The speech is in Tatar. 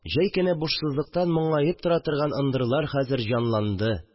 Җәй көне бушсызлыктан моңаеп тора торган ындырлар хәзер җанланды.